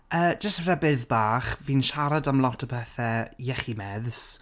Yy jyst rhybydd bach fi'n siarad am lot o bethau iechi medds...